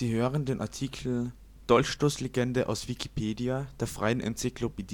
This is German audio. hören den Artikel Dolchstoßlegende, aus Wikipedia, der freien Enzyklopädie